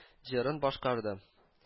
Җырын башкарды